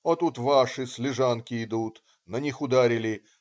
А тут ваши с Лежанки идут, на них ударили.